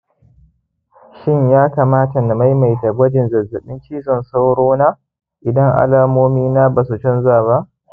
shin ya kamata na maimaita gwajin zazzabin cizon sauro na idan alamomina ba su canza ba